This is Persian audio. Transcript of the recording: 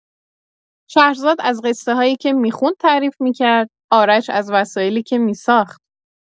شهرزاد از قصه‌هایی که می‌خوند تعریف می‌کرد، آرش از وسایلی که می‌ساخت.